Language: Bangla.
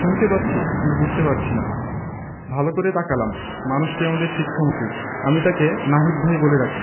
শুনতে পাচ্ছি কিন্তু বুঝতে পারছি না ভালো করে তাকালাম মানুষটি আমাদের শিক্ষামন্ত্রী আমি তাকে নাহিদ ভাই বলে ডাকি